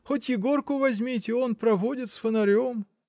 хоть Егорку возьмите, он проводит с фонарем.